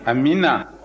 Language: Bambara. amiina